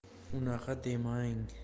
unaqa demang